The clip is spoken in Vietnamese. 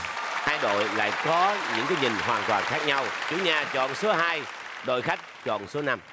hai đội lại có những cái nhìn hoàn toàn khác nhau chủ nhà chọn số hai đội khách chọn số năm